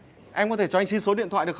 em có thể cho anh xin số điện thoại được